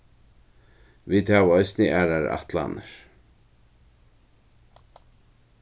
vit hava eisini aðrar ætlanir